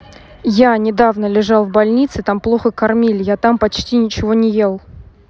я недавно лежал в больнице там плохо кормили я там почти ничего не ел